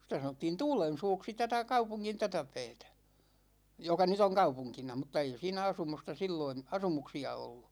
sitä sanottiin Tuulensuuksi tätä kaupungin tätä päätä joka nyt on kaupunkina mutta ei siinä asumusta silloin asumuksia ollut